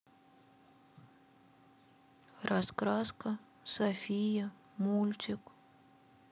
раскраска софия мультик